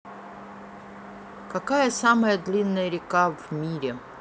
какая самая длинная река в мире